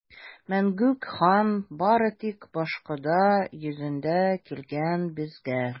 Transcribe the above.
Мәңгүк хан бары тик башкода йөзендә килгән безгә!